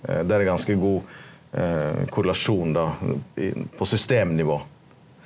der er ganske god korrelasjon då på systemnivå.